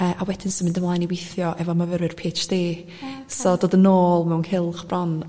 yy a wedyn symud ymlaen i withio efo myfyrwyr pi heitch di... oce... so dod yn nôl mewn cylch bron